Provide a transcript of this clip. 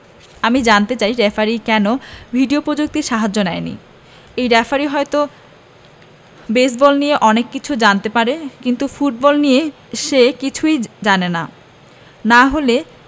আমি জানতে চাই রেফারি কেন ভিডিও প্রযুক্তির সাহায্য নেয়নি এই রেফারি হয়তো বেসবল নিয়ে অনেক কিছু জানতে পারে কিন্তু ফুটবল নিয়ে সে কিছুই জানে না না হলে